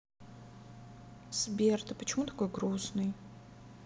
сбер почему ты такой грустный